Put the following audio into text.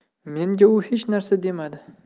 menga u hech narsa demadi